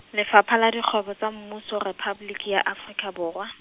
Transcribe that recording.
Lefapha la Dikgwebo tsa Mmuso, Rephaboliki ya Afrika Borwa.